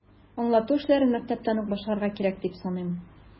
Аңлату эшләрен мәктәптән үк башларга кирәк, дип саныйм.